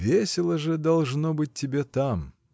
— Весело же, должно быть, тебе там.